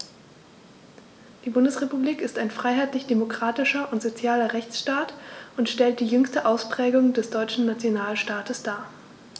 Die Bundesrepublik ist ein freiheitlich-demokratischer und sozialer Rechtsstaat und stellt die jüngste Ausprägung des deutschen Nationalstaates dar.